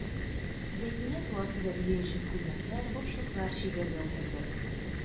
Зәйтүнә туасы бәбие өчен күлмәкләр, башлыклар чигәргә утырды.